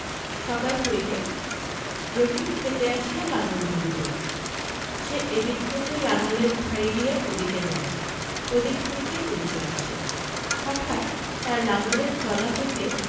সকাল হইলে রহিম ক্ষেতে আসিয়া লাঙল জুড়িল সে এদিক হইতে লাঙলের ফাড়ি দিয়া ওদিকে যায় ওদিক হইতে এদিকে আসে হঠাৎ তাহার লাঙলের তলা হইতে